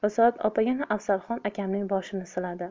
risolat opa yana afzalxon akamning boshini siladi